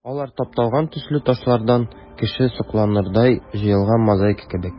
Алар тапталган төсле ташлардан кеше сокланырдай җыелган мозаика кебек.